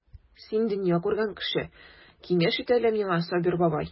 Син дөнья күргән кеше, киңәш ит әле миңа, Сабир бабай.